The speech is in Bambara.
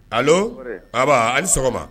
Ayiwa baba a ni sɔgɔma